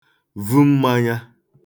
vu mmānyā